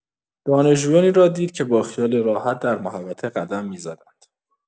دانشجویانی را دید که با خیال راحت در محوطه قدم می‌زدند.